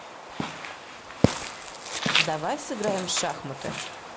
давай сыграем в шахматы